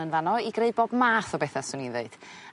yn fan 'no i greu bob math o betha swn i ddeud.